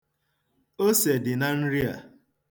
Ose dị na nri a.